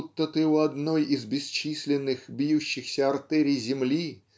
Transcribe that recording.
будто ты у одной из бесчисленных бьющихся артерий земли